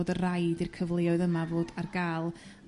Fod y rhaid i'r cyfleoedd yma fod ar ga'l